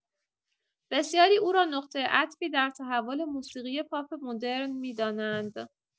بسیاری او را نقطه عطفی در تحول موسیقی پاپ مدرن می‌دانند.